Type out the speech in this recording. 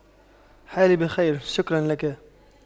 حالي بخير شكرا لك